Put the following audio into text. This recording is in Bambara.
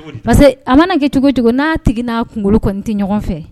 Parce que a mana kɛ cogo cogo n'a tigi n'a kunkolo kɔni tɛ ɲɔgɔn fɛ